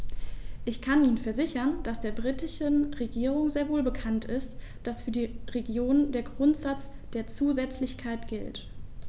Ich kann Ihnen versichern, dass der britischen Regierung sehr wohl bekannt ist, dass für die Regionen der Grundsatz der Zusätzlichkeit gilt.